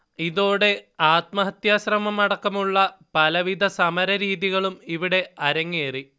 ഇതോടെ ആത്മഹത്യ ശ്രമം അടക്കമുള്ള പലവിധ സമരരീതികളും ഇവിടെ അരങ്ങേറി